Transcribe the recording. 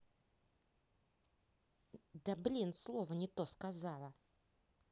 да блин слово не то сказала